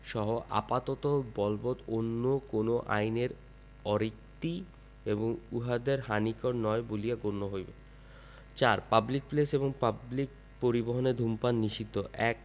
সহ আপাতত বলবৎ অন্য কোন আইন এর অরিক্তি এবংউহাদের হানিকর নয় বলিয়া গণ্য হইবে ৪ পাবলিক প্লেস এবং পাবলিক পরিবহণে ধূমপান নিষিদ্ধঃ ১